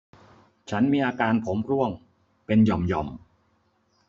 ฉันมีอาการผมร่วงเป็นหย่อมหย่อม